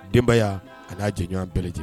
Denbaya a na jɛɲɔgɔn bɛɛ lajɛlen